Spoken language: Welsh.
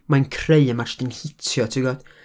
Mae'n creu, a ma' jyst yn hitio, tibod?